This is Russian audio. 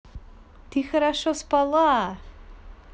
ты хорошо спала